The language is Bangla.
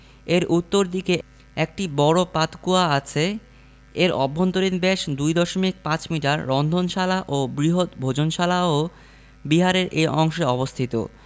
এর উত্তর দিকে একটি বড় পাতকূয়া আছে এর অভ্যন্তরীণ ব্যাস ২ দশমিক ৫ মিটার রন্ধনশালা ও বৃহৎ ভোজনশালাও বিহারের এ অংশে অবস্থিত